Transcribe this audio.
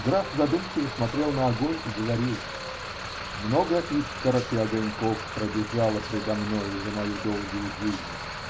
Граф задумчиво смотрел на огонь и говорил: -- Много искорок и огоньков пробежало предо мною за мою долгую жизнь.